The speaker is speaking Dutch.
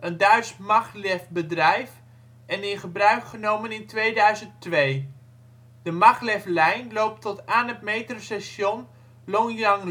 een Duits maglevbedrijf, en in gebruik genomen in 2002. De maglevlijn loopt tot aan het metrostation Longyang